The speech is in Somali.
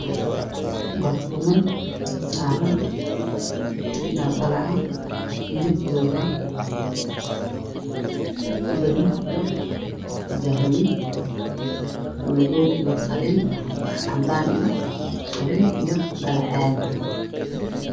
Halkaan waxaa ka muuqdo labo barafuun mid uu yahay cadaan iyo dahabi midka kalena uu yahay madaw iyo qalin